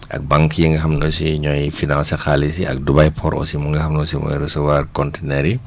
ak banques yi nga xam ne aussi ñooy financé xaalis yi ak Dubai Port aussi mu nga xam ne aussi mooy recevoir contenaires yi